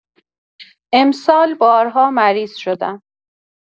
امسال بارها مریض شدم.